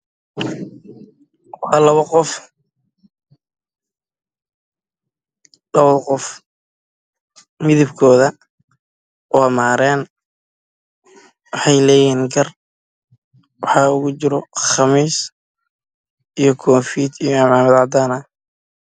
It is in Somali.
Waa labo nin oo odayaal ah oo cimaamada wata